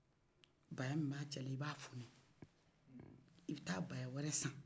baya min b'a cɛla i b'o foni i bɛ ta baya wɛrɛ san